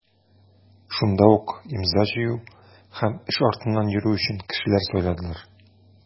Шунда ук имза җыю һәм эш артыннан йөрү өчен кешеләр сайладылар.